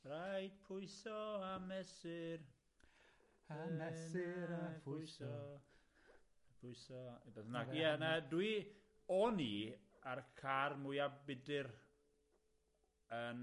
Rhaid pwyso a mesur a mesur a pwyso pwyso a . Ie na dwi, o'n i â'r car mwya budur yn